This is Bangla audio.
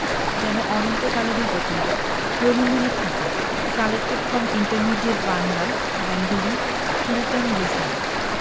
যেন অনন্তকালেরই পতিমা Rabindranath Tagore collected from intermediate Bangla Bengali কিলটন বি সিলি